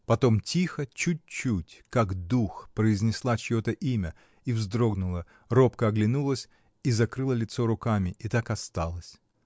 Потом тихо, чуть-чуть, как дух, произнесла чье-то имя и вздрогнула, робко оглянулась и закрыла лицо руками и так осталась.